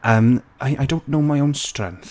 Yym I I don't know my own strength.